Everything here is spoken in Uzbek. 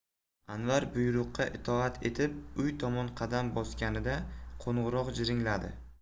anvar buyruqqa itoat etib uy tomon qadam bosganida qo'ng'iroq jiringladi